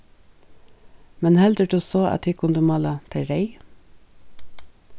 men heldur tú so at tit kundu málað tey reyð